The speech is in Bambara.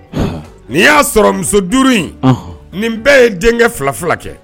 N y'a sɔrɔ muso duuru in nin bɛɛ ye denkɛ fila fila kɛ